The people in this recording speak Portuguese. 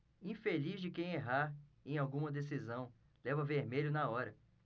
infeliz de quem errar em alguma decisão leva vermelho na hora